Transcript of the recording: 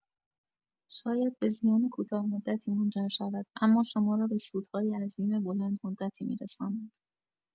شاید به زیان کوتاه‌مدتی منجر شود، اما شما را به سودهای عظیم بلندمدتی می‌رساند.